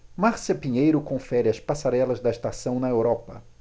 márcia pinheiro confere as passarelas da estação na europa